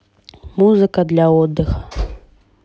музыка для отдыха